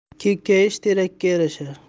kekkayish terakka yarashar